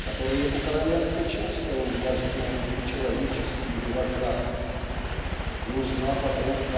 которые у Короленко часто увлажняют и человеческие глаза. И узнав о том